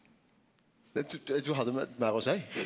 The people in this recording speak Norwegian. du hadde meir å seie?